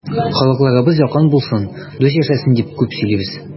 Халыкларыбыз якын булсын, дус яшәсен дип күп сөйлибез.